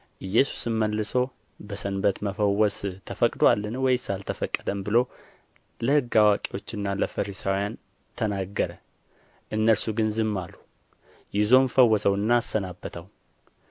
ኢየሱስም መልሶ በሰንበት መፈወስ ተፈቅዶአልን ወይስ አልተፈቀደም ብሎ ለሕግ አዋቂዎችና ለፈሪሳውያን ተናገረ እነርሱ ግን ዝም አሉ ይዞም ፈወሰውና አሰናበተው